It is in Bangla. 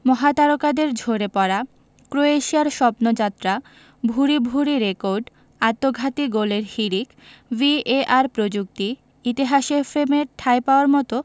মহাতারকাদের ঝরে পড়া ক্রোয়েশিয়ার স্বপ্নযাত্রা ভূরি ভূরি রেকর্ড আত্মঘাতী গোলের হিড়িক ভিএআর প্রযুক্তি ইতিহাসের ফ্রেমে ঠাঁই পাওয়ার মতো